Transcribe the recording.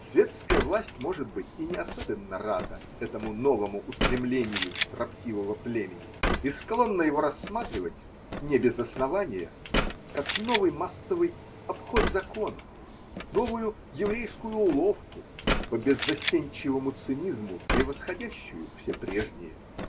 Светская власть, может быть, и не особенно рада этому новому устремлению строптивого племени и склонна его рассматривать (не без основания), как новый массовый обход закона, новую еврейскую уловку, по беззастенчивому цинизму превосходящую все прежние.